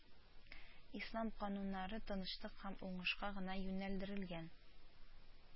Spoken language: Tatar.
Ислам кануннары тынычлык һәм уңышка гына юнәлдерелгән